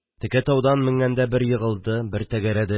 Текә таудан менгәндә бер егылды, бер тәгәрәде